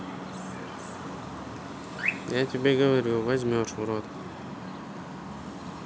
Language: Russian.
я тебе говорю возьмешь в рот